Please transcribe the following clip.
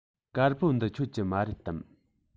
དཀར པོ འདི ཁྱོད ཀྱི མ རེད དམ